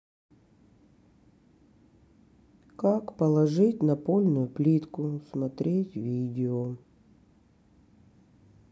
как положить напольную плитку смотреть видео